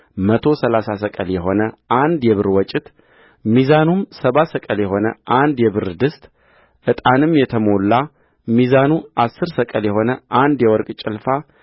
መቶ ሠላሳ ሰቅል የሆነ አንድ የብር ወጭት ሚዛኑም ሰባ ሰቅል የሆነ አንድ የብር ድስትዕጣንም የተሞላ ሚዛኑ አሥር ሰቅል የሆነ አንድ የወርቅ ጭልፋ